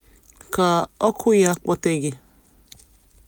Ka oku ya kpote gị!